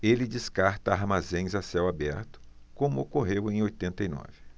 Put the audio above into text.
ele descarta armazéns a céu aberto como ocorreu em oitenta e nove